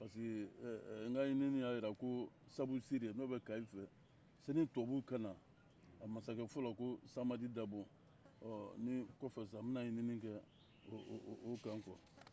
parce que ɛɛ n ka ɲinini y'a jira ko sabusire n'o bɛ kayi fɛ sanni tubabuw ka na a masakɛ fɔlɔ ko samadi dabo ɔɔ ni kɔfɛ sa n bɛna ɲinini kɛ o kan quoi